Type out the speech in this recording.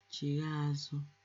laghachi àzụ